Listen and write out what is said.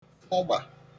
fụgbà